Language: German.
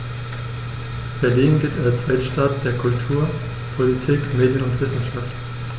Berlin gilt als Weltstadt der Kultur, Politik, Medien und Wissenschaften.